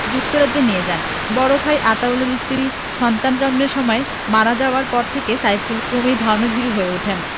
যুক্তরাজ্যে নিয়ে যান বড় ভাই আতাউলের স্ত্রী সন্তান জন্মের সময় মারা যাওয়ার পর থেকে সাইফুল ক্রমেই ধর্মভীরু হয়ে ওঠেন